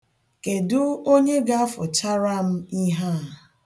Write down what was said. Kedụ onye ga-afụchara m ihe a?